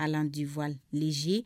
Ala difa ze